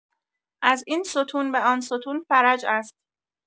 از این ستون به آن ستون فرج است